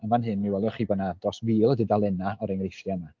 Yn fan hyn mi welwch chi bod 'na dros mil o dudalennau o'r enghraifftiau 'ma.